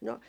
no